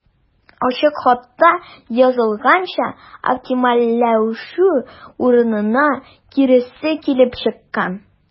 Ачык хатта язылганча, оптимальләшү урынына киресе килеп чыккан.